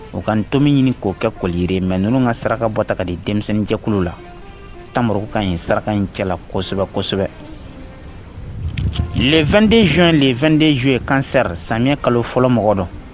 U ka nto min ɲini k'o kɛ koliri mɛ ninnu ka saraka bɔta di denmisɛnninjɛkulu la tanro ka kan ɲi saraka in cɛla kosɛbɛ kosɛbɛ 2den zo len2den zo ye kansɛ samiyɛ kalo fɔlɔ mɔgɔ dɔn